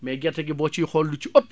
mais gerte gi boo ciy xool lu ci ëpp